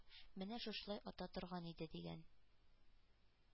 Менә шушылай ата торган иде»,— дигән.